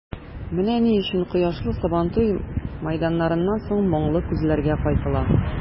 Менә ни өчен кояшлы Сабантуй мәйданнарыннан соң моңлы күзләргә кайтыла.